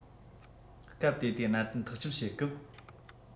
སྐབས དེ དུས གནད དོན ཐག གཅོད བྱེད སྐབས